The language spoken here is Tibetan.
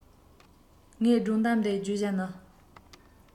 ངའི སྒྲུང གཏམ འདིའི བརྗོད བྱ ནི